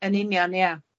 Yn union ia.